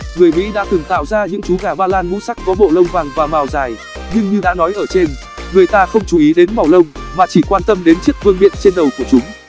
người mỹ đã từng tạo ra những chú gà ba lan ngũ sắc có bộ lông vàng và mào dài nhưng như đã nói ở trên người ta không chú ý đến màu lông mà chỉ quan tâm đến chiếc vương miện trên đầu của chúng